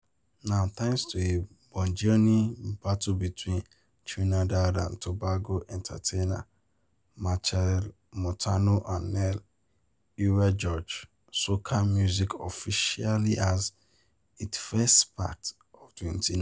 Now, thanks to a burgeoning battle between Trinidad and Tobago entertainers Machel Montano and Neil “Iwer” George, soca music officially has its first spat of 2019.